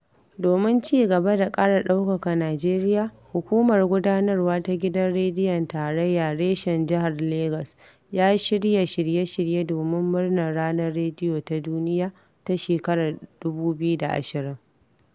Domin ci gaba da ƙara ɗaukaka Nijeriya, Hukumar Gudanarwa Ta Gidan Rediyon Tarayya reshen Jihar Lagos ya shirya shiye-shirye domin murnar Ranar Rediyo ta Duniya ta shekarar 2020.